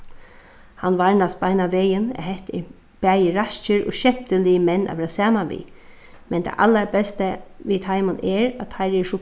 hann varnast beinanvegin at hetta er bæði raskir og skemtiligir menn at vera saman við men tað allarbesta við teimum er at teir eru so